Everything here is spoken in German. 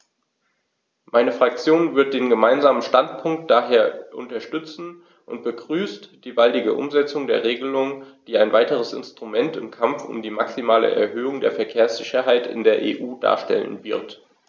Meine Fraktion wird den Gemeinsamen Standpunkt daher unterstützen und begrüßt die baldige Umsetzung der Regelung, die ein weiteres Instrument im Kampf um die maximale Erhöhung der Verkehrssicherheit in der EU darstellen wird.